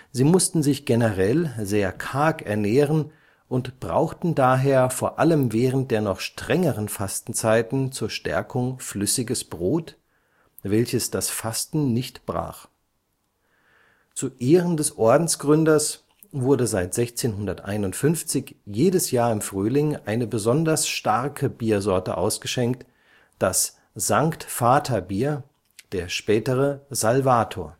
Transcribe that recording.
Sie mussten sich generell sehr karg ernähren und brauchten daher vor allem während der noch strengeren Fastenzeiten zur Stärkung „ flüssiges Brot “, welches das Fasten nicht brach. Zu Ehren des Ordensgründers wurde seit 1651 jedes Jahr im Frühling eine besonders starke Biersorte ausgeschenkt, das „ Sankt-Vater-Bier “, der spätere Salvator